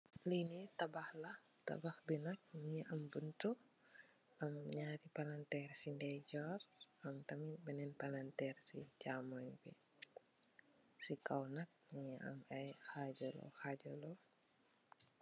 Li ni tabax la, tabax bi nak mugii am buntu am ñaari palanterr si ndayjoor am tamit benen palanterr si camooy bi. Si kaw nak mugii am ay xajalo.